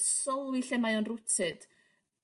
sylwi lle mae o'n rooted